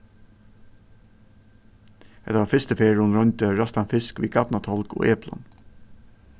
hetta var fyrstu ferð hon royndi ræstan fisk við garnatálg og eplum